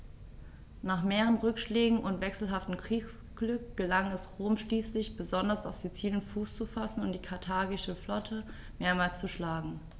Nach mehreren Rückschlägen und wechselhaftem Kriegsglück gelang es Rom schließlich, besonders auf Sizilien Fuß zu fassen und die karthagische Flotte mehrmals zu schlagen.